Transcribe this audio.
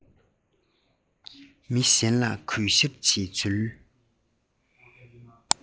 མི གཞན ལ གུས ཞབས བྱེད ཚུལ